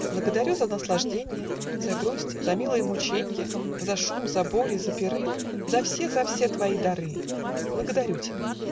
Благодарю за наслажденья, За грусть, за милые мученья, За шум, за бури, за пиры, За все, за все твои дары Благодарю тебя.